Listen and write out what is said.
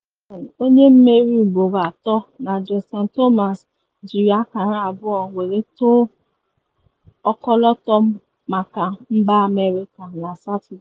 Jordan Spieth onye mmeri ugboro atọ na Justin Thomas jiri akara abụọ were tọọ ọkọlọtọ maka mba America na Satọde.